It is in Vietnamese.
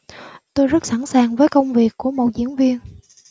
tôi rất sẵn sàng với công việc của một diễn viên